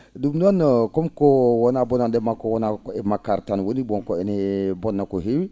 ?um noon comme ko wonaa bonannde makko wonaa ko e makkaari tan woni bon ko ene bonna ko heewi